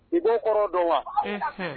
I b'o kɔrɔ dɔn wa